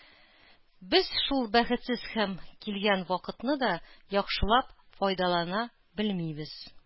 Без шул бәхетсез һәм килгән вакытны да яхшылап файдалана белмибез.